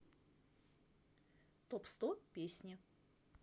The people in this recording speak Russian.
топ сто песни